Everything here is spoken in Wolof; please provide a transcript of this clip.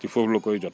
ci foofu la koy jot